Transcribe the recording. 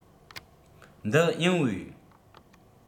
འདི ཡིན འོས